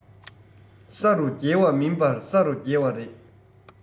ས རུ འགྱེལ བ མིན པར ས རུ བསྒྱེལ བ རེད